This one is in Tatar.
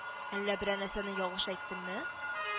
—әллә берәр нәрсәне ялгыш әйттемме